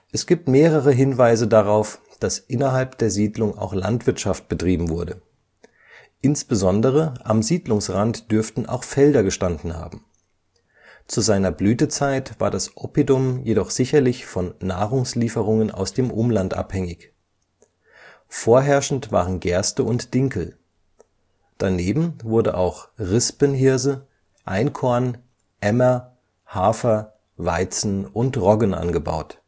Es gibt mehrere Hinweise darauf, dass innerhalb der Siedlung auch Landwirtschaft betrieben wurde. Insbesondere am Siedlungsrand dürften auch Felder gestanden haben. Zu seiner Blütezeit war das Oppidum jedoch sicherlich von Nahrungslieferungen aus dem Umland abhängig. Vorherrschend waren Gerste und Dinkel. Daneben wurde auch Rispenhirse, Einkorn, Emmer, Hafer, Weizen und Roggen angebaut